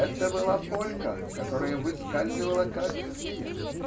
Это была полька, которая выскальзывала как змея.